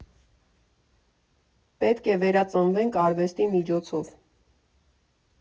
«Պետք է վերածնվենք արվեստի միջոցով».